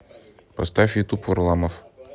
поставь ютюб варламов